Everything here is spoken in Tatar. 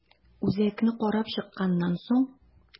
Үзәкне карап чыкканнан соң.